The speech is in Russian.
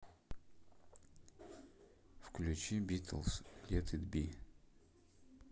включи битлз лет ит би